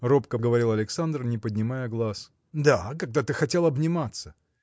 – робко говорил Александр, не поднимая глаз. – Да, когда ты хотел обниматься.